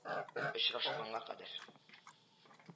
Очрашканга кадәр